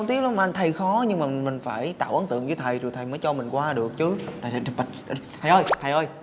tiếp lắm mà thầy khó nhưng mà mình phải tạo ấn tượng với thầy rồi thầy mới cho mình qua được chứ thầy thầy thầy ơi thầy ơi